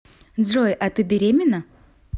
джой а ты беременна